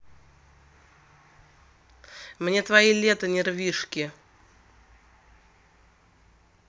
мне твои лето нервишки